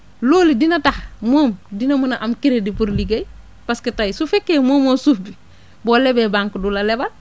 loolu dina tax moom dina mën a am crédit pour liggéey parce que tey su fekkee moomoo suuf bi boo lebee banque du la lebal